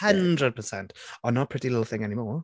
Hundred percent. Oh not pretty little thing anymore.